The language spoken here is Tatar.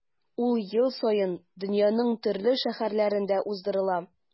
Ул ел саен дөньяның төрле шәһәрләрендә уздырыла.